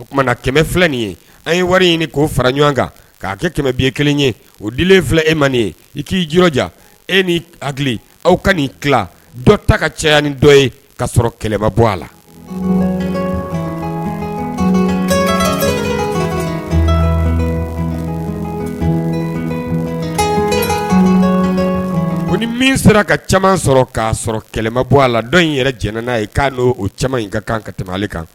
O tumaumana kɛmɛ filɛ nin ye an ye wari ɲini k' o fara ɲɔgɔn kan k'a kɛ kɛmɛ bi kelen ye o di filɛ e man nin ye i k'i yi ja e ni hakili aw ka nini tila dɔ ta ka cɛya ni dɔ ye k ka sɔrɔ kɛlɛ bɔ a la u ni min sera ka caman sɔrɔ k'a sɔrɔ kɛlɛ bɔ a la dɔw in yɛrɛ jɛnɛ n'a ye k'a don o caman in ka kan ka tɛmɛ ale kan